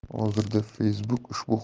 hozirda facebook ushbu